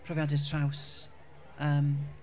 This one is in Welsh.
profiadau traws, yym...